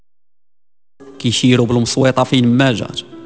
تشيرنوبل فيلم